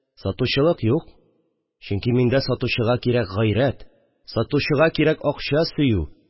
Сатучылык юк, чөнки миндә сатучыга кирәк гайрәт, сатучыга кирәк акча сөю